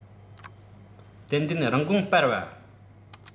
ཏན ཏན རིན གོང སྤར བ